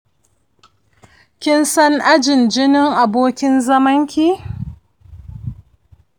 kin san ajin jinin abokin zamanki?